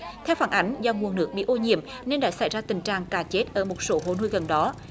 theo phản ảnh do nguồn nước bị ô nhiễm nên đã xảy ra tình trạng cá chết ở một số hộ nuôi gần đó